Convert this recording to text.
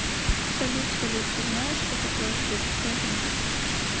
салют салют ты знаешь что такое суп скажи